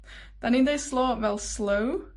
'Dan ni'n deud slo fel slow.